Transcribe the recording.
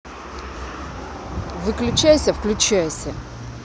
выключайся включайся